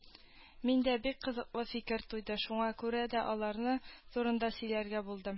Миндә бик кызыклы фикер туды, шуңа күрә дә алар турында сөйләргә булдым